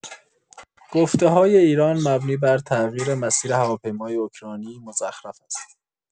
گفته‌های ایران مبنی بر تغییر مسیر هواپیمای اوکراینی مزخرف است.